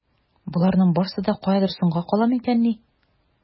Боларның барсы да каядыр соңга кала микәнни?